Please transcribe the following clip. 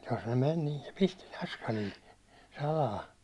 jos ne meni niin se pisti naskalilla salaa